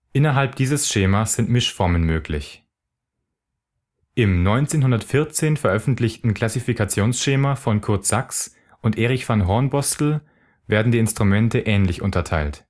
Innerhalb dieses Schemas sind Mischformen möglich. Im 1914 veröffentlichten Klassifikationsschema von Curt Sachs und Erich von Hornbostel werden die Instrumente ähnlich unterteilt